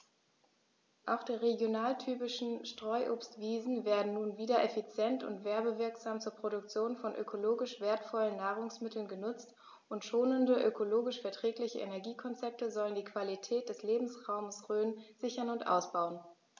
Auch die regionaltypischen Streuobstwiesen werden nun wieder effizient und werbewirksam zur Produktion von ökologisch wertvollen Nahrungsmitteln genutzt, und schonende, ökologisch verträgliche Energiekonzepte sollen die Qualität des Lebensraumes Rhön sichern und ausbauen.